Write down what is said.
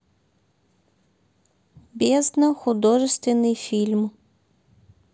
бездна художественный фильм